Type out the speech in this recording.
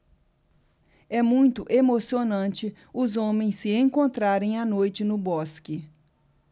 é muito emocionante os homens se encontrarem à noite no bosque